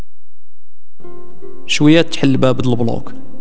شويه فتح الباب المغلق